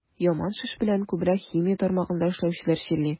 Яман шеш белән күбрәк химия тармагында эшләүчеләр чирли.